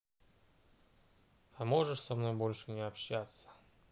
а можешь со мной больше не общаться